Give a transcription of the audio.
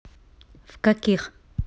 в каких